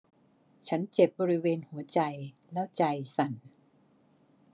ฉันเจ็บบริเวณหัวใจแล้วใจสั่น